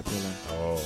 I awɔ